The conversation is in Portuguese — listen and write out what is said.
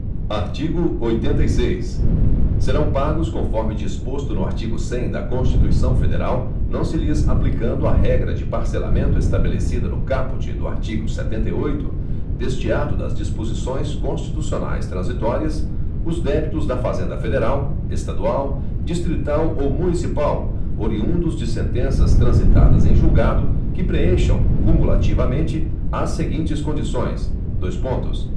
artigo oitenta e seis serão pagos conforme disposto no artigo cem da constituição federal não se lhes aplicando a regra de parcelamento estabelecida no caput do artigo setenta e oito deste ato das disposições constitucionais transitórias os débitos da fazenda federal estadual distrital ou municipal oriundos de sentenças transitadas em julgado que preencham cumulativamente as seguintes condições dois pontos